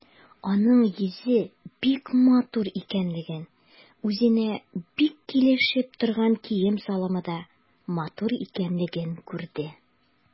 Аның йөзе бик матур икәнлеген, үзенә бик килешеп торган кием-салымы да матур икәнлеген күрде.